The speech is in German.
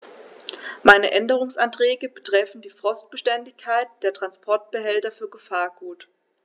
Meine Änderungsanträge betreffen die Frostbeständigkeit der Transportbehälter für Gefahrgut.